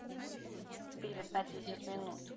отвечать перед на десять минут